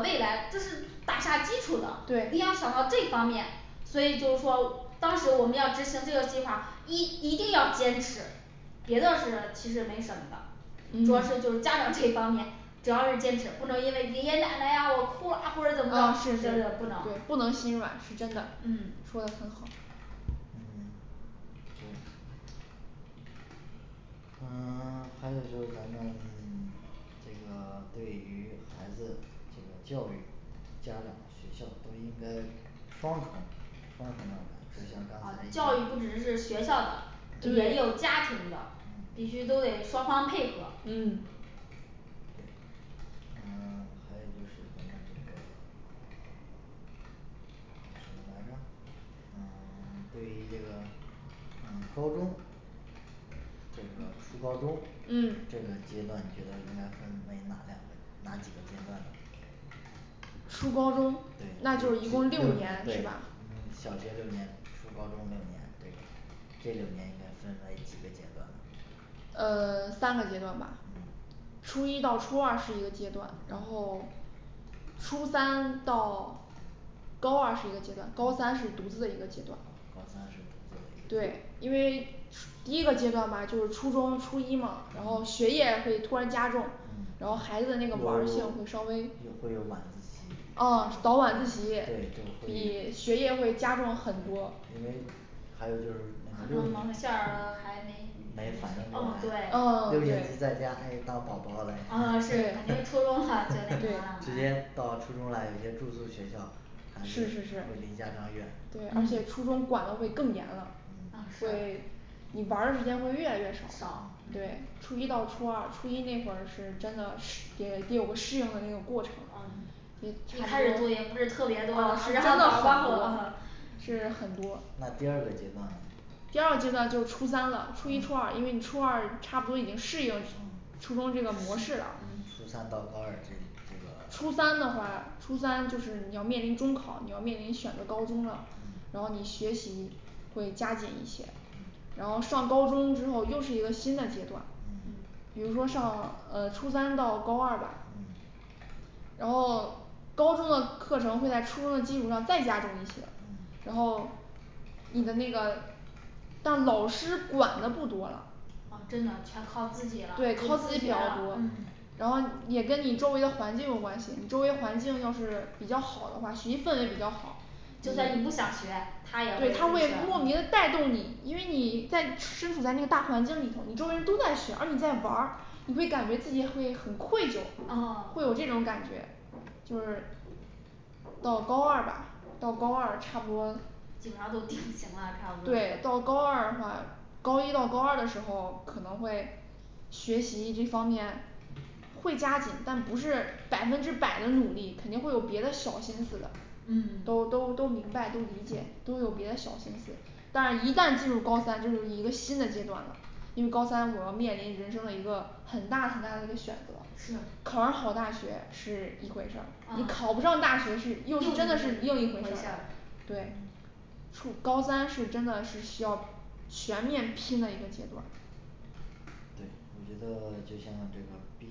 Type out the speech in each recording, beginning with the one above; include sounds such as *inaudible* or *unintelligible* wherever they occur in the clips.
未来，这是打下基础的一定对要想到这方面所以就是说当时我们要执行这个计划，一一定要坚持，别的事其实没什么的主要嗯就就是家长这一方面 *noise* 主要是坚持不能因为爷爷奶奶呀我哭啊或啊是是是对者怎么着其实是不能不能嗯心软是真的嗯说得很好嗯 *silence* 对嗯 *silence* 还有就是咱们 *silence* 这个对于孩子这个教育家长学校都应该双重双重的来就像刚啊才教育不一些只是学校的嗯也有对家庭的必嗯须都得双方配合嗯嗯 *silence* 还有就是咱们这个 *silence* 什么来着嗯 *silence* 对于这个嗯高中这个初高中嗯这个阶段觉得应该分为哪两个哪几个阶段呢初高中对六年对嗯那就是一共六年对吧小学六年初高中六年这个这六年应该分为几个阶段嗯嗯呃 *silence* 三个阶段吧嗯初一到初二是一个阶段然后嗯 *silence* 初三 *silence* 到 *silence* 高二是一个阶段高三是独自的一个阶段高三是独自的一个对因为初 *unintelligible* 第一个阶段吧就是初中初一嘛然后嗯学业会突然加重嗯有有会然后孩子的那个玩儿性会稍微有晚自习啊早晚自习对对会比学业会加重很因多为还有就是那个可六能年猛一下儿 *silence* 还没没反应啊对过来啊六年级对在家诶当宝宝嘞 *noise* 啊直是接肯定初中 *noise* 的话就那什对么了嘛到初中啦有些住宿学校而且是是是会离家长远了对而且嗯初中管的会更严了啊嗯对会你玩儿的时间会越来越少啊少嗯对初一到初二初一那会儿是真的适 *unintelligible* 得得有个适应的那个过程得嗯一差开始不多作然业后特别就多啊呃然后就很多事很多那第二个阶段呢第二阶段就是初三了，初一初二因嗯为你初二差不多已经适应嗯初中这个模式了初三到高二这这个初 *silence* 三的话初三就是你要面临中考你要面临你要选择高中了嗯然后你学习会加紧一些然嗯后上高中之后又是一个新的阶段嗯嗯，比如说上呃初三到高二吧嗯然后高中的课程会在初中的基础上再加重一些，嗯然后你的那个但老师管的不多了啊真的全靠自己了对靠自己比较多然嗯后也跟你周围的环境有关系，你周围环境要是比较好的话学习氛围比较好就算你你不想学他也对会就是他会莫名的嗯带动你因为你在身处在那个大环境里头，你周围人都在学，而你在玩儿，你会感觉自己会很愧疚啊，会有这种感 *silence* 觉就是到高二吧到高二差不多基本上都提前了差不多对，到高二的话，高一到高二的时候可能会学习这方面会加紧，但不是百分之百的努力，肯定会有别的小心思的嗯包都都明白都理解，都有别的小心思但一旦进入高三就是一个新的阶段了因为高三我要面临人生的一个很大很大的一个选择，是考上好大学是一回事儿，你考不啊上大学又是是一又是真的是另一回回事事儿儿对嗯属高三是真的是需要全面拼的一个阶段对我觉得 *silence* 就像这个B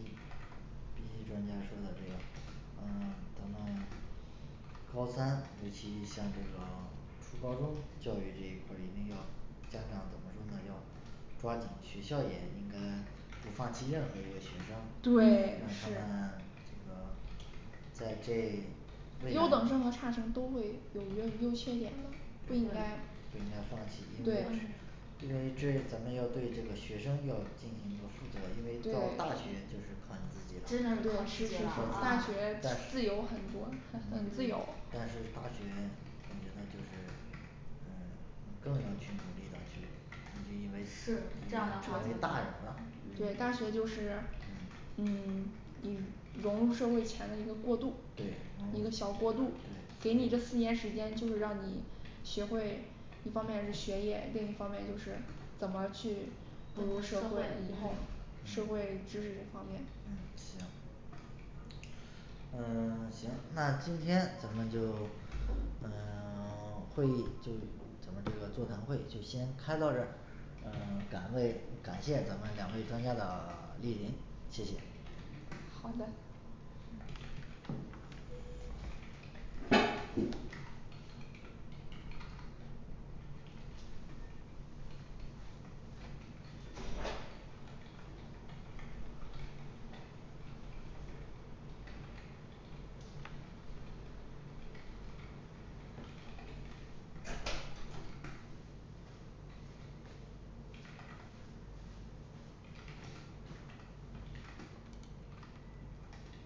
B专家说的这样呃 *silence* 咱们高三尤其像这个 *silence* 初高中教育这一块儿一定要家长怎么说呢要抓紧学校也应该不放弃任何一个学生让他对嗯是们这个在这未来优等生和差生都会有约优缺点的不对不应应该对该放弃因为对这因为这咱们要对这个学生要进行一个负责，因为到对大学就是靠你自己了真的对对靠靠是自自己是己了是了大大但啊是学大自学由我很多很觉自由得就是嗯你更要去努力地去你就因为你是已这样的经成话为大嗯人了对大学就是嗯嗯 *silence* 你融入社会前的一个过渡对一个小过渡对给你这四年时间就是让你学会一方面是学业另一方面就是怎么去步入社社会会以后对社嗯会知识一方面嗯行嗯 *silence* 行那今天咱们就嗯 *silence* 会议就咱们这个座谈会就先开到这儿呃 *silence* 感为感谢咱们两位专家的 *silence* 莅临谢谢好的嗯